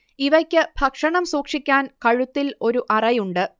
ഇവയ്ക്ക് ഭക്ഷണം സൂക്ഷിക്കാൻ കഴുത്തിൽ ഒരു അറയുണ്ട്